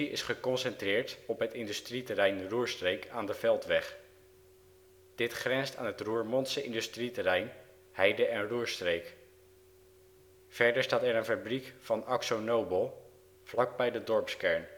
is geconcentreerd op het industrieterrein Roerstreek aan de Veldweg. Dit grenst aan het Roermondse industrieterrein Heide en Roerstreek. Verder staat er een fabriek van Akzo Nobel, vlak bij de dorpskern